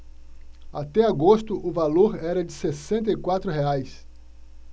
até agosto o valor era de sessenta e quatro reais